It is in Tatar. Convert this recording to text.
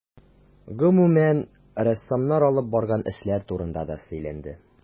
Гомүмән, рәссамнар алып барган эшләр турында да сөйләнде.